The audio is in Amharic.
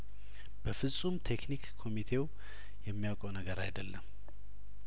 በፍጹም ቴክኒክ ኮሚቴው የሚያውቀው ነገር አይደለም